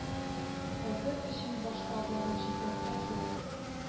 Кайтыр өчен башта барып җитәргә кирәк